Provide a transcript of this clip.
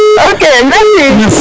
ok merci